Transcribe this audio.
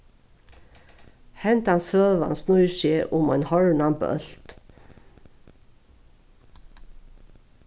hendan søgan snýr seg um ein horvnan bólt